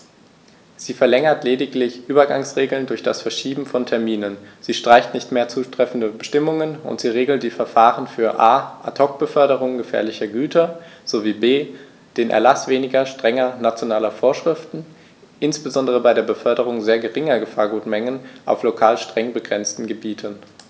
Sie verlängert lediglich Übergangsregeln durch das Verschieben von Terminen, sie streicht nicht mehr zutreffende Bestimmungen, und sie regelt die Verfahren für a) Ad hoc-Beförderungen gefährlicher Güter sowie b) den Erlaß weniger strenger nationaler Vorschriften, insbesondere bei der Beförderung sehr geringer Gefahrgutmengen auf lokal streng begrenzten Gebieten.